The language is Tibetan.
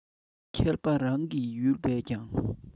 མཁས པ རང གི ཡུལ བས ཀྱང